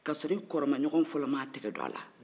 k'a sɔrɔ i kɔrɔmaɲɔgɔw fɔlɔ ma tɛgɛ don a la